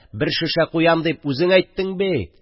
Бер шешә куям дип үзең әйттең бит!